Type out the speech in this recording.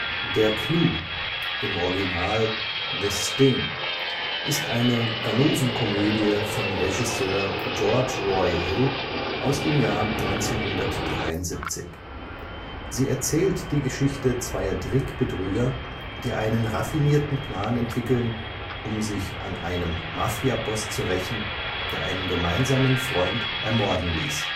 Der Clou (Originaltitel: The Sting) ist eine Ganoven-Komödie von Regisseur George Roy Hill aus dem Jahr 1973. Sie erzählt die Geschichte zweier Trickbetrüger, die einen raffinierten Plan entwickeln, um sich an einem Mafia-Boss zu rächen, der einen gemeinsamen Freund ermorden ließ